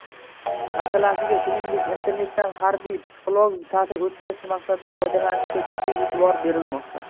masalasiga shuningdek internetdan harbiy psixologik ta'sir o'tkazish maqsadida foydalanishga jiddiy e'tibor berilmoqda